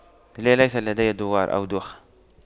لا ليس لدي دوار أو دوخة